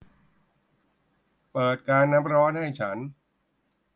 เปิดกาน้ำร้อนให้ฉัน